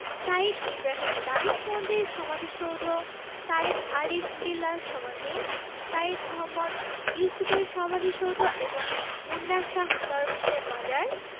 সাইয়্যিদ ইবরাহিম দানিশমন্দের সমাধিসৌধ সাইয়্যিদ আরিফ বিল্লাহর সমাধি সাইয়্যিদ মুহম্মদ ইউসুফের সমাধিসৌধ এবং মুন্না শাহ দরবেশের মাজার